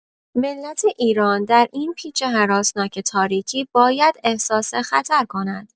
ملت ایران در این پیچ هراسناک تاریخی باید احساس خطر کند.